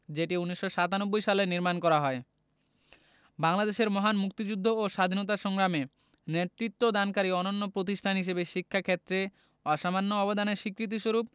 যেটি১৯৯৭ সালে নির্মাণ করা হয় বাংলাদেশের মহান মুক্তিযুদ্ধ ও স্বাধীনতা সংগ্রামে নেতৃত্বদানকারী অনন্য প্রতিষ্ঠান হিসেবে শিক্ষা ক্ষেত্রে অসামান্য অবদানের স্বীকৃতিস্বরূপ